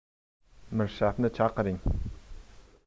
mirshabni chaqiring